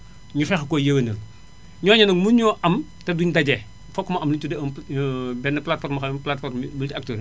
ñu fexe ko yewenal ñooña nag mënuñoo am te du ñu daje fokk mu am lu ñu tuddee un benn plateforme boo xam ne nii plateforme bi multiacteurs